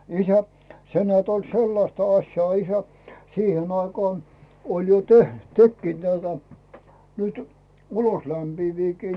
isä se näet oli sellaista asiaa isä siihen aikaan oli jo - tekivät näitä nyt uloslämpiäviäkin